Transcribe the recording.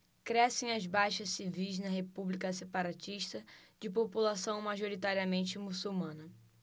crescem as baixas civis na república separatista de população majoritariamente muçulmana